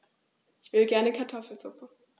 Ich will gerne Kartoffelsuppe.